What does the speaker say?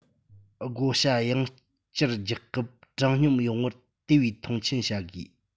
བགོ བཤའ ཡང བསྐྱར རྒྱག སྐབས དྲང སྙོམས ཡོང བར དེ བས མཐོང ཆེན བྱ དགོས